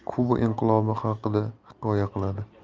kuba inqilobi haqida hikoya qiladi